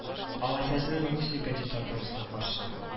Алайса сез мусин кандидатурасына каршы